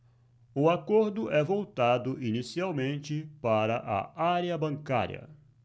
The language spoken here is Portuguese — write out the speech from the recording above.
o acordo é voltado inicialmente para a área bancária